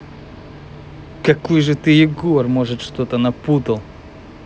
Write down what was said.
какой же ты егор может что то напутал